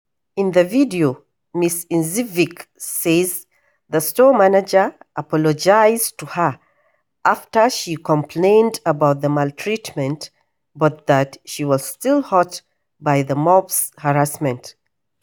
In the video, Ms Knežević says the store manager apologized to her after she complained about the maltreatment, but that she was still hurt by the mob's harassment.